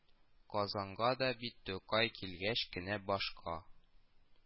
Казанга да бит Тукай килгәч кенә башка